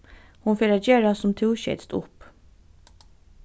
hon fer at gera sum tú skeytst upp